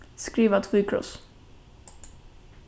skriva tvíkross